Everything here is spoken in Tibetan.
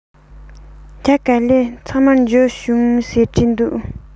ཇ ག ལི ཚང མ འབྱོར བྱུང